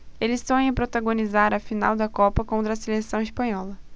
ele sonha protagonizar a final da copa contra a seleção espanhola